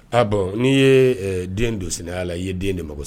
A bɔn n'i ye den don senya la i ye den de mako sɔrɔ